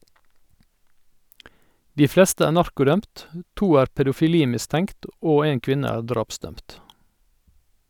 De fleste er narkodømt, to er pedofili-mistenkt og en kvinne er drapsdømt.